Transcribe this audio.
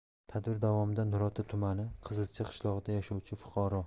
tadbir davomida nurota tumani qizilcha qishlog'ida yashovchi fuqaro